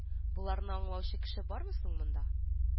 Боларны аңлаучы кеше бармы соң монда